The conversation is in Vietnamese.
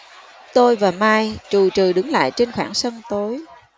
tôi và mai trù trừ đứng lại trên khoảng sân tối